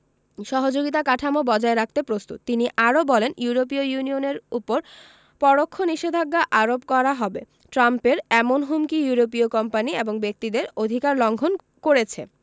সহযোগিতা কাঠামো বজায় রাখতে প্রস্তুত তিনি আরও বলেন ইউরোপীয় ইউনিয়নের ওপর পরোক্ষ নিষেধাজ্ঞা আরোপ করা হবে ট্রাম্পের এমন হুমকি ইউরোপীয় কোম্পানি এবং ব্যক্তিদের অধিকার লঙ্ঘন করেছে